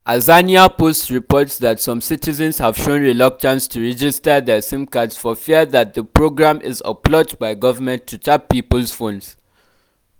Azania Post reports that some citizens have shown reluctance to register their SIM cards for fear that the program is “a ploy by the government to tap people’s phones.”